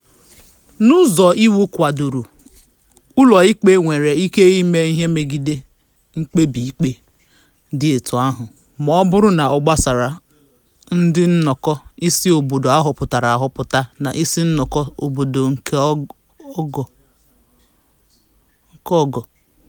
N'ụzọ iwu kwadoro, ụlọ ikpe nwere ike ime ihe megide mkpebi ikpe dị etu ahụ ma ọ bụrụ na ọ gbasara ndị nnọkọ isi obodo a họpụtara ahọpụta na isi nnọkọ obodo nke ogo.